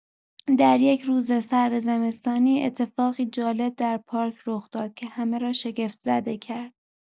در یک روز سرد زمستانی، اتفاقی جالب در پارک رخ داد که همه را شگفت‌زده کرد.